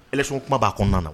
Eso kuma b'a kɔnɔna nana